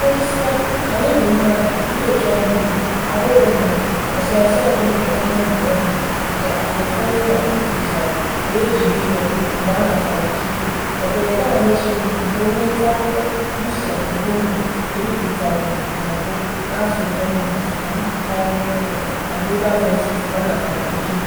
Karịsịa, anyị bụ mmadụ, ndị otu agbụrụ, agbụrụ mmadụ. " Eserese mbụ nke Carmen Bolena, nke Afroféminas bipụtara wee jiri ya mgbe a natara ikike. Ederede a na-esonu nke onye ntaakụkọ Lucía Mbomío ebipụtabụru na mbụ na Afroféminas ma bipụtagharị ya na Global Voices mgbe a natara ikike.